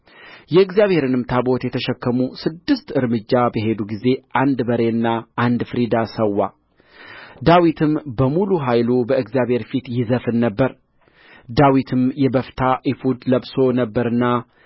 የእግዚአብሔርንም ታቦት የተሸከሙ ስድስት እርምጃ በሄዱ ጊዜ አንድ በሬና አንድ ፍሪዳ ሠዋ ዳዊትም በሙሉ ኃይሉ በእግዚአብሔር ፊት ይዘፍን ነበር ዳዊትም የበፍታ ኤፉድ ለብሶ ነበር